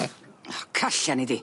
O callia nei di.